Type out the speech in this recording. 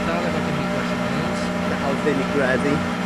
Dal efo dim byd gwell i neud. Dal ddim i gredu.